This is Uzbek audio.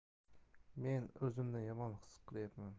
men o'zimni yomon his qilayapman